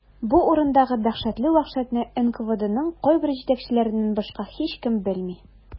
Бу урындагы дәһшәтле вәхшәтне НКВДның кайбер җитәкчеләреннән башка һичкем белми.